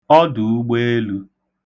ọdụ̀ụgbeelū